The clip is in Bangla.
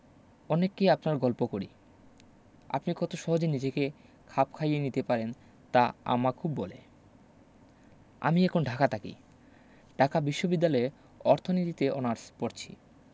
অনেককেই আপনার গল্প করি আপনি কত সহজে নিজেকে খাপ খাইয়ে নিতে পারেন তা আম্মা খুব বলে আমি এখন ঢাকা থাকি ঢাকা বিশ্ববিদ্যালয়ে অর্থনীতিতে অনার্স পরছি